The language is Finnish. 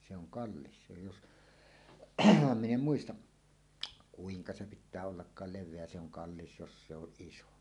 se on kallis se jos minä en muista kuinka se pitää ollakaan leveä se on kallis jos se on iso